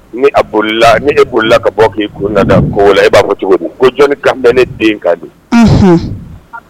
Ni a bolila ni e bolila ka bɔ k'i kun da koko la i b'a fɔ cogo di ko jɔnni kan bɛ ne den ka de